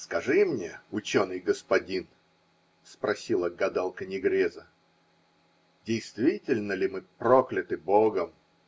-- Скажи мне, ученый господин, -- спросила гадалка Негреза, -- действительно ли мы прокляты Богом?